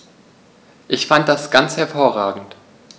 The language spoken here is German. Ich fand das ganz hervorragend.